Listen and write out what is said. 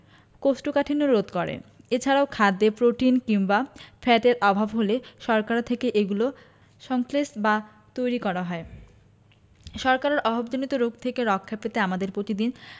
কোষ্ঠকাঠিন্য রোধ করে এছাড়াও খাদ্যে প্রোটিন কিংবা ফ্যাটের অভাব হলে শর্করা থেকে এগুলো সংশ্লেষ বা তৈরী করা হয় শর্করার অভাবজনিত রোগ থেকে রক্ষা পেতে আমাদের পতিদিন